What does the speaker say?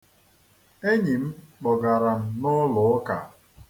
Enyi m kpọgara m n'ụlụụka.